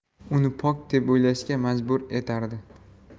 uni pok deb o'ylashga majbur etardi